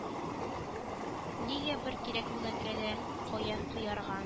Нигә бер кирәкмәгәнгә дә каян коярга